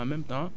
voilà